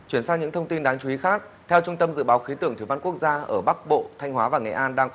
chuyển sang những thông tin đáng chú ý khác theo trung tâm dự báo khí tượng thủy văn quốc gia ở bắc bộ thanh hóa về nghệ an đang